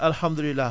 alhamdulilah